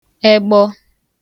egbọ